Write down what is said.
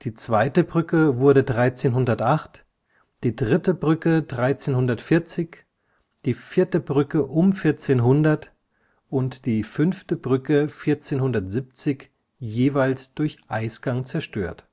zweite Brücke wurde 1308, die dritte Brücke 1340, die vierte Brücke um 1400 und die fünfte Brücke 1470 jeweils durch Eisgang zerstört